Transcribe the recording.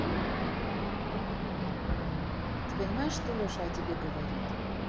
ты понимаешь что леша о тебе говорит